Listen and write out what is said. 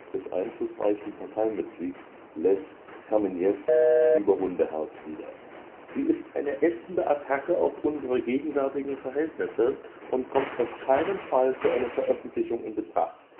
des einflussreichen Parteimitglieds Lew Kamenew über das Hundeherz wieder: „ Sie ist eine ätzende Attacke auf unsere gegenwärtigen Verhältnisse und kommt auf keinen Fall für eine Veröffentlichung in Betracht